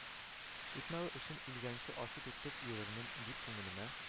Итмәве өчен үлгәнче ачу тотып йөрермен, дип күңелемә